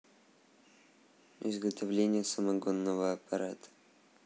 изготовление самогонного аппарата